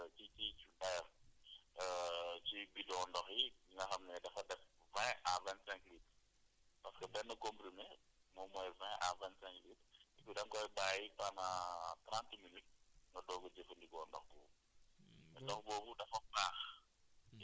donc yooyu dañ koy utiliser ci ay ci ci xeer ci bidon ndox yi nga xam ne dafa def vingt à vingt cinq lites parce que benn comprimé moom mooy vingt à vingt cinq litres da nga koy bçyyi pendant trente minutes nga doog a jëfandikoo ndox mi